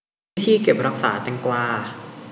วิธีเก็บรักษาแตงกวา